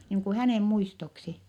niin kuin hänen muistoksi